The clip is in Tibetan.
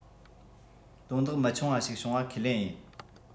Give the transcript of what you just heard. དོན དག མི ཆུང བ ཞིག བྱུང བ ཁས ལེན ཡིན